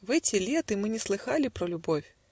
В эти лета Мы не слыхали про любовь